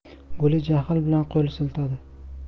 guli jahl bilan qo'l siltadi